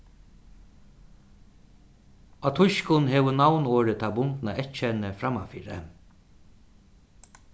á týskum hevur navnorðið tað bundna eyðkennið frammanfyri